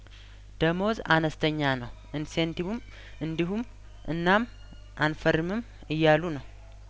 ደሞዝ አነስተኛ ነው ኢንሴን ቲቩም እንዲሁም እናም አንፈርምም እያሉ ነው